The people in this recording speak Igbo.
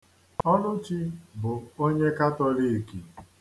Ọlụchi bụ onye katọliiki.